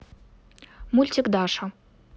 мультик даша